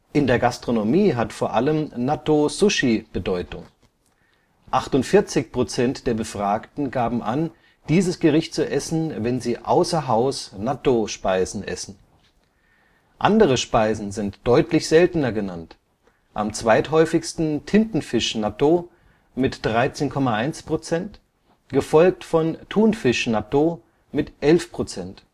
In der Gastronomie hat vor allem Nattō-Sushi Bedeutung: 48,0 % der Befragten gaben an, dieses Gericht zu essen, wenn sie außer Haus Nattō-Speisen essen. Andere Speisen sind deutlich seltener genannt, am zweithäufigsten Tintenfisch-Nattō mit 13,1 %, gefolgt von Thunfisch-Nattō mit 11,0 %